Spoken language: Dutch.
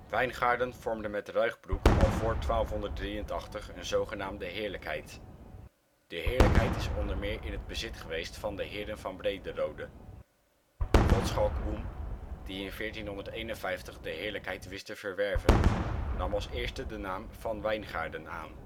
Wijngaarden vormde met Ruigbroek al voor 1283 een zogenaamde heerlijkheid. De heerlijkheid is onder meer in het bezit geweest van de heren van Brederode. Godschalk Oem, die in 1451 de heerlijkheid wist te verwerven nam als eerste de naam Van Wijngaarden aan